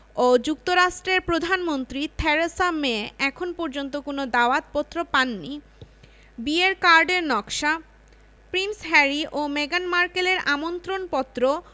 ও যুক্তরাজ্যের প্রধানমন্ত্রী Theresa May এখন পর্যন্ত কোনো দাওয়াতপত্র পাননি বিয়ের কার্ডের নকশা প্রিন্স হ্যারি ও মেগান মার্কেলের আমন্ত্রণপত্র